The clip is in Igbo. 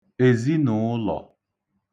èzinụ̀ụlọ̀